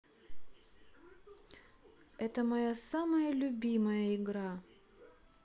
это моя самая любимая игра